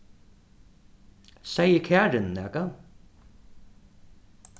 segði karin nakað